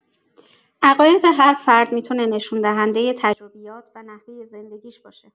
عقائد هر فرد می‌تونه نشون‌دهنده تجربیات و نحوه زندگی‌اش باشه.